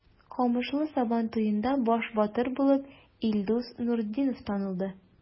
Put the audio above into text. Камышлы Сабан туенда баш батыр булып Илдус Нуретдинов танылды.